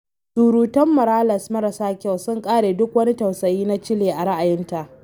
“Surutan Morales marassa kyau sun ƙare duk wani tausayi na Chile, a ra’ayinta.